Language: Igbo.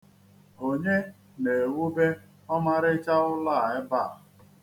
Onye na-ewube ọmarịcha ụlọ a ebe a?